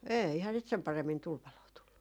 eihän sitä sen paremmin tulipaloa tullut